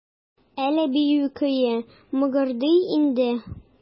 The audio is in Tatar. Әллә бию көе мыгырдый инде?